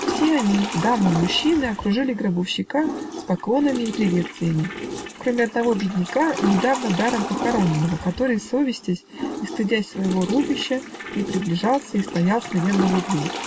Все они, дамы и мужчины, окружили гробовщика с поклонами и приветствиями, кроме одного бедняка, недавно даром похороненного, который, совестясь и стыдясь своего рубища, не приближался и стоял смиренно в углу.